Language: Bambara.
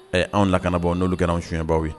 Ɛ anw lakanabɔ n'olu kɛra suɲɛbaw ye